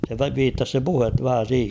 se viittasi se puhe vähän siihen